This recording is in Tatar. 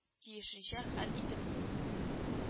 Тиешенчә хәл ителми